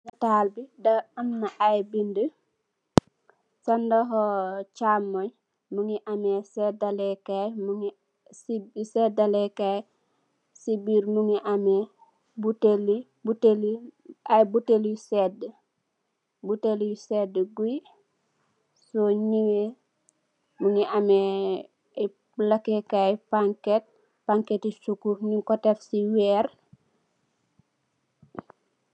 Nataal bi da am ay bindë, sa loxo chaamoy mu ngi am ay séédalee kaay. Si biir mu ngi am buteeld i séédë. Buteel i séédë guy, soo ñawee, mu ngi am lakékaay i pañgket, ñuñg ko tek si weer.